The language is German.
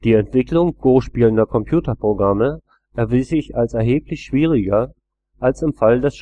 Entwicklung gospielender Computerprogramme erwies sich als erheblich schwieriger, als im Fall des